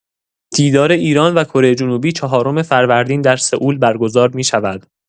دیدار ایران و کره‌جنوبی چهارم فروردین در سئول برگزار می‌شود.